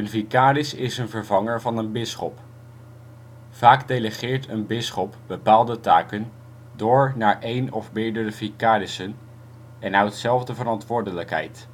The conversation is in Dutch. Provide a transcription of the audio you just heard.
vicaris is een vervanger van een bisschop. Vaak delegeert een bisschop bepaalde taken door naar één of meerdere vicarissen en houdt zelf de verantwoordelijkheid